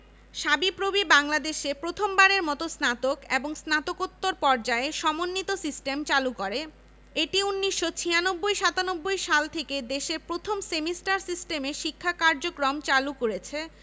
civil ও পরিবেশ কৌশল শিল্প ও উৎপাদন কৌশল জিওরির্সোসেস কৌশল খাদ্য কৌশল এবং চা কৌশল বিভাগ জীব বিজ্ঞান অনুষদে আছে